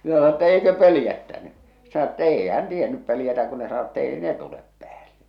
minä sanoin että eikö pelottanut se sanoi että ei hän tiennyt pelätä kun ne sanoi että ei ne tule päälle